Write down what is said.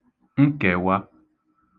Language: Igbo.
nkèwā